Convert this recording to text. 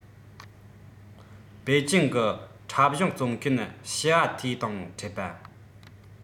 པེ ཅིང གི འཁྲབ གཞུང རྩོམ མཁན ཞི ཡ ཐུའི དང འཕྲད པ